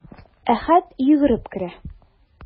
Әхәт йөгереп керә.